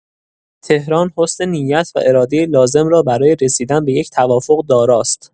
تهران حسن نیت و اراده لازم را برای رسیدن به یک توافق داراست.